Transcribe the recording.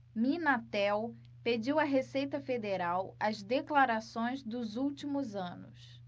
minatel pediu à receita federal as declarações dos últimos anos